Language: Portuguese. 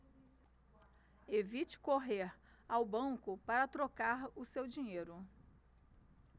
evite correr ao banco para trocar o seu dinheiro